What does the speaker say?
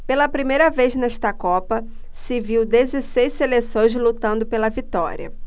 pela primeira vez nesta copa se viu dezesseis seleções lutando pela vitória